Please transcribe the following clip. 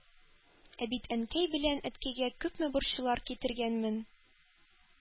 Ә бит Әнкәй белән әткәйгә күпме борчулар китергәнмен,